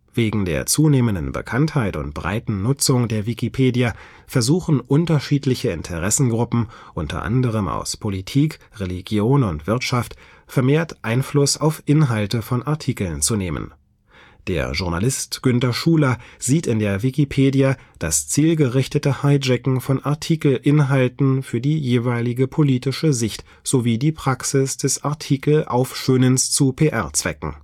Wegen der zunehmenden Bekanntheit und breiten Nutzung der Wikipedia suchen unterschiedliche Interessengruppen, unter anderem aus Politik, Religion und Wirtschaft, vermehrt Einfluss auf Inhalte von Artikeln zu nehmen. Der Journalist Günter Schuler sieht in der Wikipedia „ das zielgerichtete Hijacken von Artikel-Inhalten für die jeweilige politische Sicht sowie die Praxis des Artikel-Aufschönens zu PR-Zwecken